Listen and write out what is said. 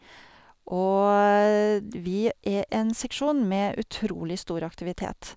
Og d vi er en seksjon med utrolig stor aktivitet.